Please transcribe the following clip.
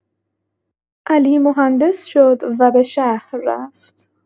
علی مهندس شد و به شهر رفت.